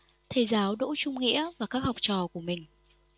thầy giáo đỗ trung nghĩa và các học trò của mình